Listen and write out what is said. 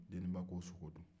deniba k'o sogo dun